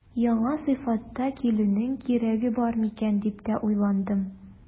Яңа сыйфатта килүнең кирәге бар микән дип тә уйландым.